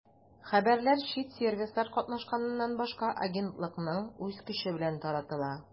Хәбәрләр чит сервислар катнашыннан башка агентлыкның үз көче белән таратыла.